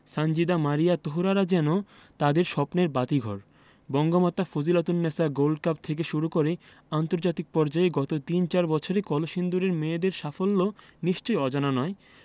সানজিদা মারিয়া তহুরারা যেন তাদের স্বপ্নের বাতিঘর বঙ্গমাতা ফজিলাতুন্নেছা গোল্ড কাপ থেকে শুরু করে আন্তর্জাতিক পর্যায়ে গত তিন চার বছরে কলসিন্দুরের মেয়েদের সাফল্য নিশ্চয়ই অজানা নয়